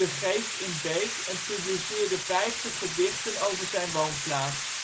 Geest in Beek en publiceerde vijftig gedichten over zijn woonplaats